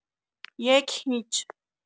یک هیچ